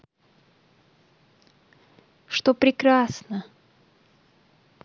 что прекрасно